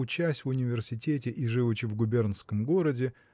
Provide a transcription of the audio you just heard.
учась в университете и живучи в губернском городе